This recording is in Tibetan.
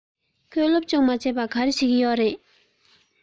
ཁོས སློབ སྦྱོང མ བྱས པར ག རེ བྱེད ཀྱི ཡོད རས